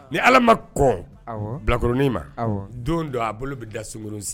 Ni allah ma kɔn bilakoroni ma , don dɔ a bolo bɛ da sunkurunin sin kan.